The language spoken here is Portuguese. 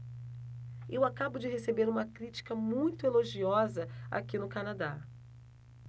eu acabo de receber uma crítica muito elogiosa aqui no canadá